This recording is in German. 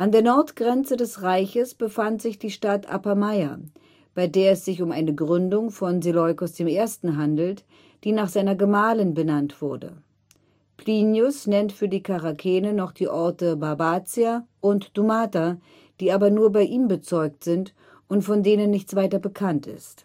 der Nordgrenze des Reiches befand sich die Stadt Apameia, bei der es sich um eine Gründung von Seleukos I. handelt, die nach seiner Gemahlin benannt wurde. Plinius nennt für die Charakene noch die Orte Barbatia und Dumatha, die aber nur bei ihm bezeugt sind und von denen nichts weiter bekannt ist